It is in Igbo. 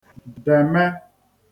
dème